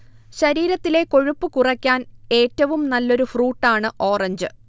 ശരീരത്തിലെ കൊഴുപ്പ് കുറയ്ക്കാൻഏറ്റവും നല്ലൊരു ഫ്രൂട്ടാണ് ഓറഞ്ച്